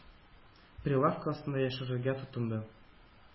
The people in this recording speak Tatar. Прилавка астына яшерергә тотынды.